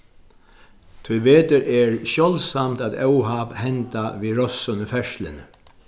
tíbetur er sjáldsamt at óhapp henda við rossum í ferðsluni